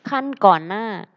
ขั้นก่อนหน้า